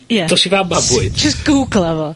Ie. ...dos i fan 'ma am bwyd. Jyst gwgla fo.